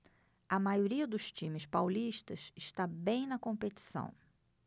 a maioria dos times paulistas está bem na competição